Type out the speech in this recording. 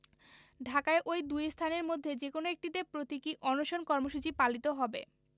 ঢাকায় ওই দুই স্থানের মধ্যে যেকোনো একটিতে প্রতীকী অনশন কর্মসূচি পালিত হবে